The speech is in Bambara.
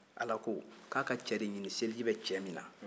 ala ko ko a ka cɛ de ɲinin seliji bɛ cɛ min na